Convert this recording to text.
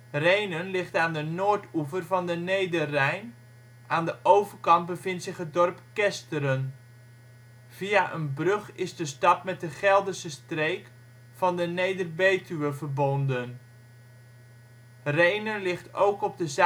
Rhenen ligt aan de noordoever van de Nederrijn; aan de overkant bevindt zich het dorp Kesteren. Via een brug is de stad met de Gelderse streek van de Neder-Betuwe verbonden. Rhenen ligt ook op de zuidoostpunt